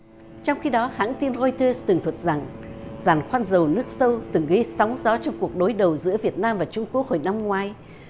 trong khi đó hãng tin roi tơ tường thuật rằng giàn khoan dầu nước sâu từng gây sóng gió trong cuộc đối đầu giữa việt nam và trung quốc hồi năm ngoái